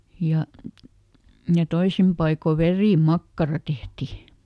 ja ja toisin paikoin verimakkara tehtiin